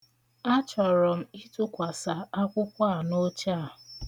Achọrọ ịtụkwàsa akwụkwọ a n'oche a.